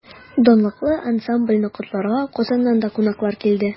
Данлыклы ансамбльне котларга Казаннан да кунаклар килде.